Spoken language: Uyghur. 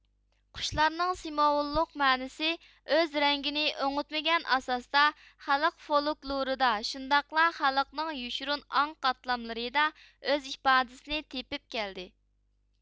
قۇشلارنىڭ سىمۋۇللۇق مەنىسى ئۆز رەڭگىنى ئۆڭۈتمىگەن ئاساستا خەلق فولىكلۇرىدا شۇنداقلا خەلقنىڭ يوشۇرۇن ئاڭ قاتلاملىرىدا ئۆز ئىپادىسىنى تېپىپ كەلدى